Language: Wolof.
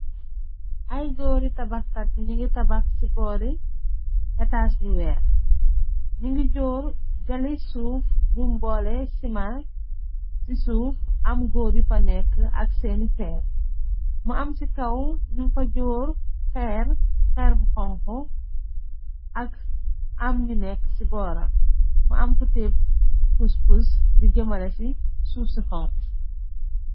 Ay góori tabaxkat, ñi ngi tabax ci boori etas bu weex, ñi ngi jóor jali suuf bunj mboole sima, ci suuf am góor yu fa nekk ak seeni peel, mu am ci kaw ñu fa joor xeer, xeer bu xonxu ak am ñu nekk ci booram, mu am ku tiye puspus di jëmale ci suuf su xonxu si